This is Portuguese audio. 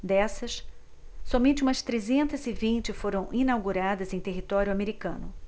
dessas somente umas trezentas e vinte foram inauguradas em território americano